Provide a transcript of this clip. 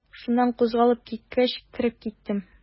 Шуннан кузгалып киткәч, кереп киттем.